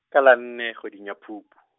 ka la nne, kgweding ya Phup- .